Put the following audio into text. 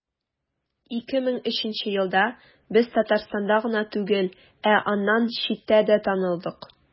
2003 елда без татарстанда гына түгел, ә аннан читтә дә танылдык.